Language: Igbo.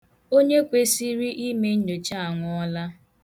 Onye kwesiri ime nnyocha a anwụọla.